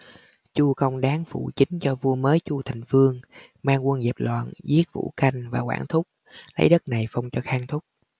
chu công đán phụ chính cho vua mới chu thành vương mang quân dẹp loạn giết vũ canh và quản thúc lấy đất này phong cho khang thúc